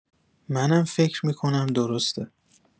منم فکر می‌کنم درسته.